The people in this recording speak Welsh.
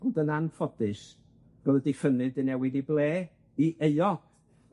Ond yn anffodus, y diffynnydd 'di newid 'i ble i euo.